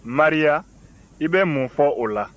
maria i bɛ mun fɔ o la